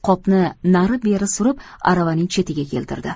qopni nari beri surib aravaning chetiga keltirdi